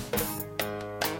Sanunɛ